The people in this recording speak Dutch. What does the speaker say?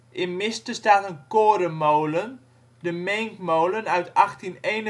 In Miste staat een korenmolen, De Meenkmolen uit 1851